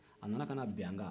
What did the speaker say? a nana ka na bin an kan